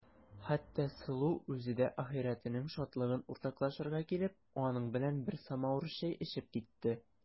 Хәтта Сылу үзе дә ахирәтенең шатлыгын уртаклашырга килеп, аның белән бер самавыр чәй эчеп китте.